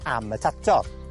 ...am y tato.